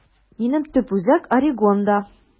Минем төп үзәк Орегонда.